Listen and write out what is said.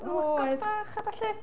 Oedd 'na lygod bach a ballu?